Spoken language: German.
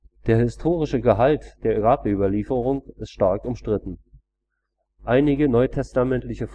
Der historische Gehalt der Grabüberlieferung ist stark umstritten. Einige NT-Forscher